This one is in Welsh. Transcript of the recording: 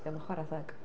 Diom yn chwarae thug.